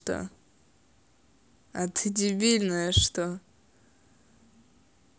а ты дебильная что